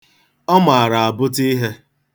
Ọ maara abụta ihe.